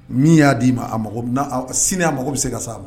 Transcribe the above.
Min y'a d'i ma a sini a mako bɛ se ka sa